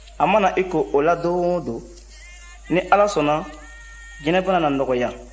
a mana i ko o la don o don ni ala sɔnna jinɛbana na nɔgɔya